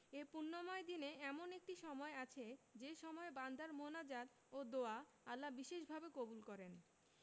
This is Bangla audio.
এ পুণ্যময় দিনে এমন একটি সময় আছে যে সময় বান্দার মোনাজাত ও দোয়া আল্লাহ বিশেষভাবে কবুল করেন